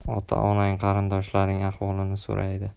ota ona qarindoshlarning ahvolini so'raydi